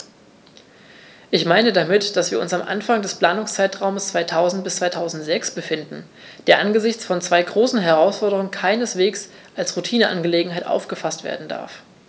Ich meine damit, dass wir uns am Anfang des Planungszeitraums 2000-2006 befinden, der angesichts von zwei großen Herausforderungen keineswegs als Routineangelegenheit aufgefaßt werden darf.